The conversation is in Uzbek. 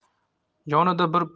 yonida bir puli